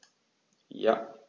Ja.